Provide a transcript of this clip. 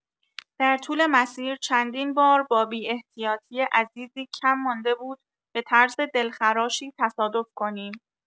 در طول مسیر چندین بار با بی‌احتیاطی عزیزی کم مانده بود به طرز دلخراشی تصادف کنیم.